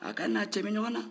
aa k'a n'a cɛ bɛ ɲɔgɔn na